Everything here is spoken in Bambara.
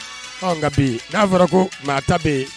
Ɔ nka bi n'a fɔra ko maa ta bɛ yen